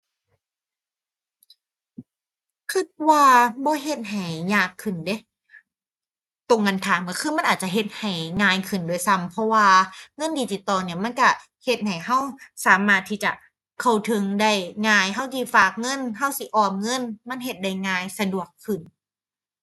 คิดว่าบ่เฮ็ดให้ยากขึ้นเดะ ตรงกันข้ามคิดคือมันอาจจะเฮ็ดให้ง่ายขึ้นด้วยซ้ำ เพราะว่าเงินดิจิทัลนี่มันคิดเฮ็ดให้คิดสามารถที่จะเข้าถึงได้ง่าย คิดสิฝากเงิน คิดสิออมเงิน มันเฮ็ดได้ง่าย สะดวกขึ้น